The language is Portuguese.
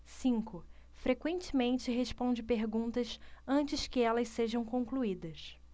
cinco frequentemente responde perguntas antes que elas sejam concluídas